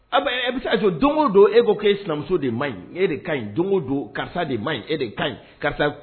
A donko don e ko e sinamuso de ma ɲi e de ka ɲi don karisa de ma ɲi e de ɲi karisa